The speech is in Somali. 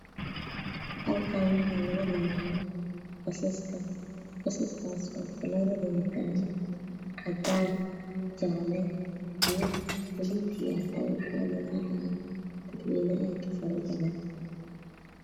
Meeshaan waxaa iga muuqda basaska kalarkiisu cadaan jaale buluug dad badan um